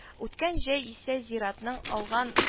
Үткән җәй исә зиратның алган